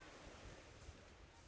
салют джой скажи что нибудь еще